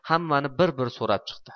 hammani bir bir so'rab chiqdi